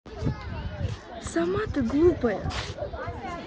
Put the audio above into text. сама ты глупая